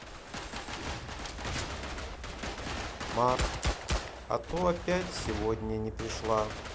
mark а то опять сегодня не пришла